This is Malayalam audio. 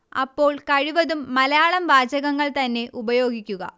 അപ്പോൾ കഴിവതും മലയാളം വാചകങ്ങൾ തന്നെ ഉപയോഗിക്കുക